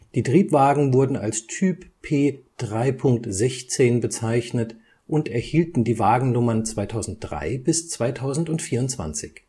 Die Triebwagen wurden als Typ P 3.16 bezeichnet und erhielten die Wagennummern 2003 bis 2024